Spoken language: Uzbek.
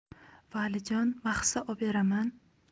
valijon maxsi oberaman